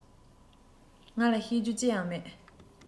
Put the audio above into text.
ང ལ བཤད རྒྱུ ཅི ཡང མེད